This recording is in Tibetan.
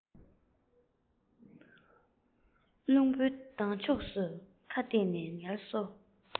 རླུང བུའི ལྡང ཕྱོགས སུ ཁ གཏད ནས ངལ གསོ